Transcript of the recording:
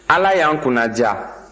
ala y'an kunnadiya